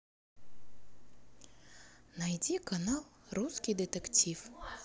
найди канал русский детектив